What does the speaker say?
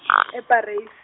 e- Parys.